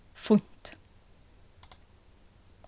fínt